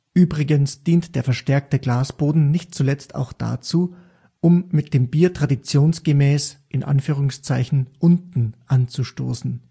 Übrigens dient der verstärkte Glasboden nicht zuletzt auch dazu, um mit dem Bier traditionsgemäß „ unten “anzustoßen